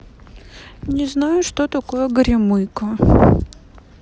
не знаю что такая горемыка